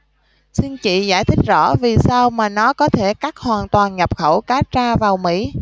xin chị giải thích rõ vì sao mà nó có thể cắt hoàn toàn nhập khẩu cá tra vào mỹ